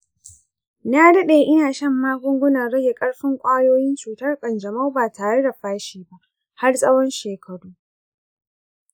na daɗe ina shan magungunan rage ƙarfin ƙwayoyin cutar kanjamau ba tare da fashi ba har tsawon shekaru.